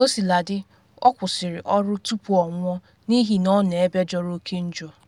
Kaosiladị, ọ kwụsịrị ọrụ tupu ọ nwụọ, n’ihi na ọ “n’ebe jọrọ oke njọ.”